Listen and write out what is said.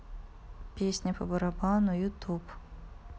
песня по барабану ютуб